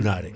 to Hounare